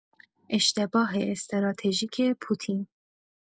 اشتباه استراتژیک پوتین